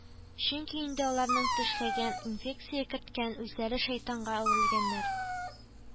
Чөнки инде аларны тешләгән, инфекция керткән, үзләре шәйтанга әверелгәннәр